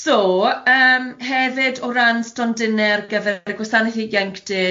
So yym hefyd o ran stondinne ar gyfer y gwasaneth ienuenctid